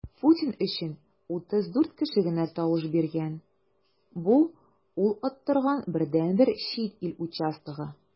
Путин өчен 34 кеше генә тавыш биргән - бу ул оттырган бердәнбер чит ил участогы.